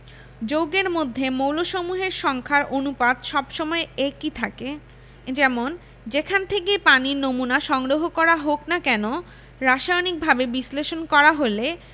যৌগের মধ্যে মৌলসমূহের সংখ্যার অনুপাত সব সময় একই থাকে যেমন যেখান থেকেই পানির নমুনা সংগ্রহ করা হোক না কেন রাসায়নিকভাবে বিশ্লেষণ করা হলে